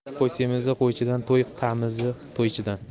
qo'y semizi qo'ychidan to'y tamizi to'ychidan